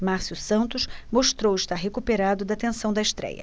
márcio santos mostrou estar recuperado da tensão da estréia